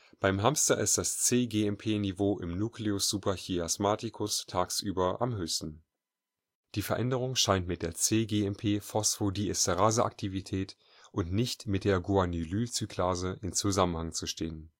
Beim Hamster ist das cGMP-Niveau im Nucleus suprachiasmaticus tagsüber am höchsten. Die Veränderung scheint mit der cGMP-Phosphodiesterase-Aktivität und nicht mit der der Guanylylcyclase in Zusammenhang zu stehen